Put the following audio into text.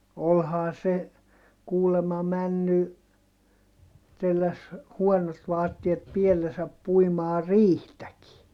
olihan se kuulemma mennyt telläsi huonot vaatteet päällensä puimaan riihtäkin